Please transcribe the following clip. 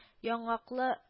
Яңаклы